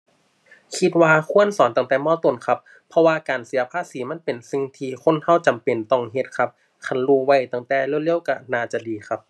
คิดว่าควรสอนตั้งแต่ ม. ต้นครับ เพราะว่าการเสียภาษีมันเป็นสิ่งที่คนเราจำเป็นต้องเฮ็ดครับ คันรู้ไว้ตั้งแต่เร็วเร็วเราน่าจะดีครับ